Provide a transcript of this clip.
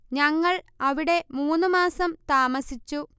ഞങ്ങൾ അവിടെ മൂന്ന് മാസം താമസിച്ചു